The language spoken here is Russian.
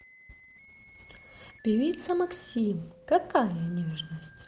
певица максим какая нежность